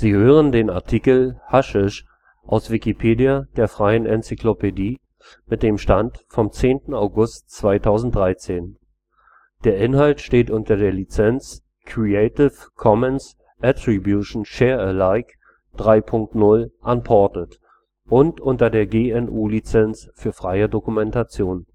hören den Artikel Haschisch, aus Wikipedia, der freien Enzyklopädie. Mit dem Stand vom Der Inhalt steht unter der Lizenz Creative Commons Attribution Share Alike 3 Punkt 0 Unported und unter der GNU Lizenz für freie Dokumentation